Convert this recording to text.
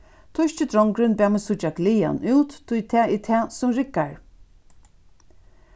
týski drongurin bað meg síggja glaðan út tí tað er tað sum riggar